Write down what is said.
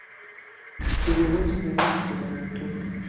перевод с немецкого на ютуб